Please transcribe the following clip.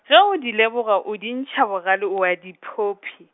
ge o di leboga o di ntšha bogale o a di phophi.